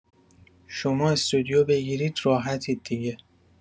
شما استودیو بگیرید راحتید دیگه